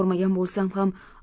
ko'rmagan bo'lsam ham